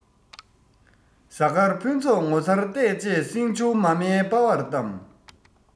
གཟའ སྐར ཕུན ཚོགས ངོ མཚར ལྟས བཅས སྲིང ཆུང མ མའི སྤ བར བལྟམས